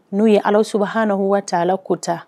Nu ye Alahu subahana watala kota.